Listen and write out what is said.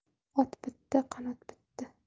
ot bitdi qanot bitdi